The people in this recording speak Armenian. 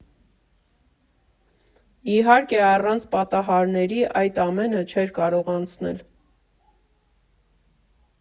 Իհարկե, առանց պատահարների այդ ամենը չէր կարող անցնել։